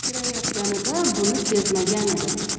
kirayotganida buni sezmagan edi